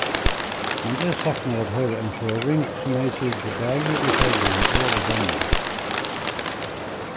men eg saknaði at hoyra ein føroying sum hevði sitið bæði í føroyum og í danmark